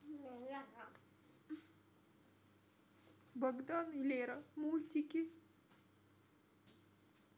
богдан и лера мультики